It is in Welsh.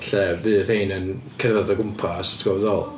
Lle fydd rhein yn cerdded o gwmpas, ti'n gwbod be dwi'n feddwl?